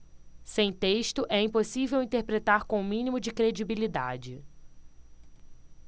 sem texto é impossível interpretar com o mínimo de credibilidade